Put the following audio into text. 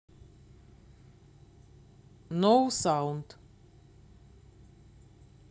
ноу саунд